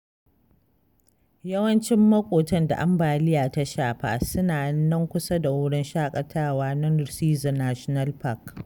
Yawancin maƙotan da ambaliya ta shafa suna nan kusa da wurin shaƙatawa na Rusizi National Park.